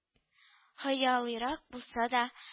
Хыялыйрак булса да